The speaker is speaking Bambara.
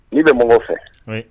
N'i bɛ mɔgɔw fɛ, wayi.